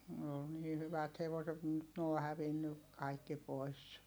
ne oli niin hyvät hevoset - nyt ne on hävinnyt kaikki pois